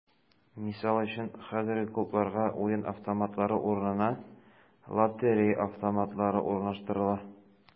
Мисал өчен, хәзер клубларга уен автоматлары урынына “лотерея автоматлары” урнаштырыла.